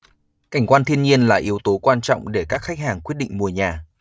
cảnh quan thiên nhiên là yếu tố quan trọng để các khách hàng quyết định mua nhà